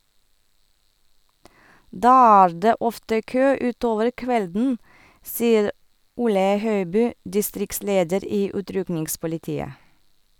Da er det ofte kø utover kvelden, sier Ole Høiby, distriktsleder i utrykningspolitiet.